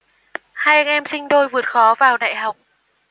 hai anh em sinh đôi vượt khó vào đại học